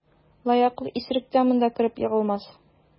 Лаякыл исерек тә монда кереп егылмас.